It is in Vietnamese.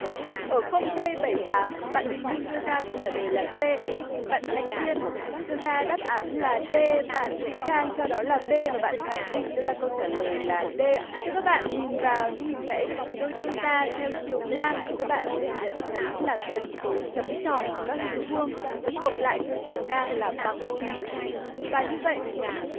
ở không giây bảy tám bạn bình minh đưa ra câu trả lời là xê bạn thành kiên đưa ra đáp án là đê bạn vỹ khang cho đó là bê và bạn khải minh đưa ra câu trả lời là đê thưa các bạn nhìn vào những hình vẽ được chúng tôi đưa ra theo chiều ngang thì các bạn có thể nhận thấy là tổng số chấm tròn ở các hình vuông được cộng lại theo chiều ngang là bằng chín và như vậy